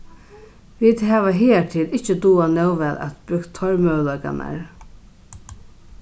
vit hava higartil ikki dugað nóg væl at brúkt teir møguleikarnar